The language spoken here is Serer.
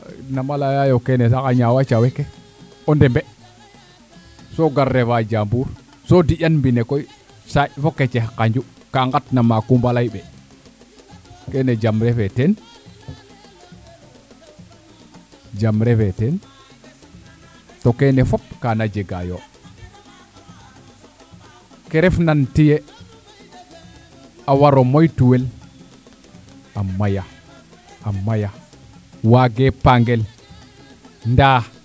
nama leya yo keene sax a ñaawa cawe ke o ndembe so gar refa jambuur so di'an mbine koy saaƴ fo kecax kanju ka ngat na ma Coumba leymbe keene jam refe teen jam refe teen to keene fop kaana jega yo ke ref nan tiye a waro moytu wel a maya a maya waage paangel